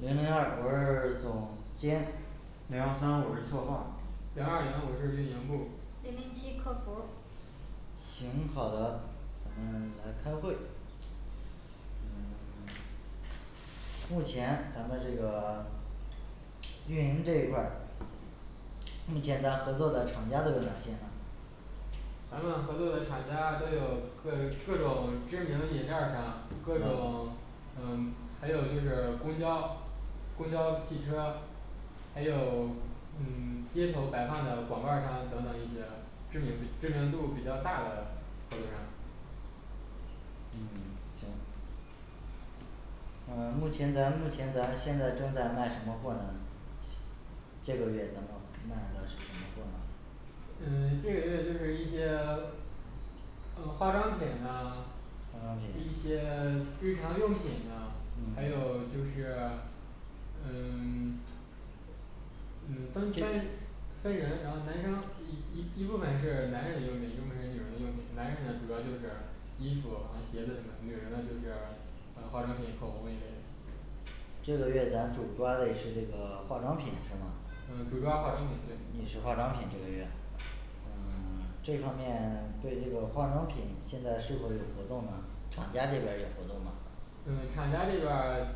零零二我是总监零幺三我是策划零二零我是运营部儿零零七客服儿行好的。咱们来开会嗯 目前咱们这个运营这一块儿，目前咱合作的厂家都有哪些呢咱们合作的厂家都有各各种，知名饮料儿商各种嗯嗯还有就是公交、公交、汽车还有嗯街头摆放的广告儿商等等一些知名比 知名度比较大的合作商嗯行嗯目前咱目前咱现在正在卖什么货呢？这个月咱们卖的是什么货呢嗯这个月就是一些 呃化妆品呐化，呃妆一品些日常用品呐，还有嗯就是嗯 嗯分分分人，然后男生一一一部分是男人的用品，一部分是女人的用品，男人呢主要就是衣服和鞋子什么的，女人呢就是呃化妆品口红一类这个月咱主抓嘞是这个化妆品是吗？嗯主抓化妆品，对女士化妆品这个月嗯 这方面对这个化妆品现在是否有活动呢？厂家这边儿有活动吗？嗯厂家这边儿